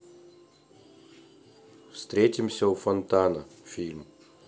встретимся у фонтана фильм